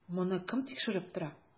Моны кем тикшереп тора?